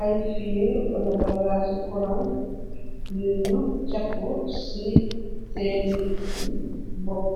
Ay fiil wala bagaa ci kuran yu ñu capp ci seeni bopp